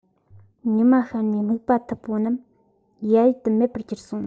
ཉི མ ཤར ནས སྨུགས པ འཐུག པོ རྣམས ཡལ ཡུལ དུ མེད པར གྱུར སོང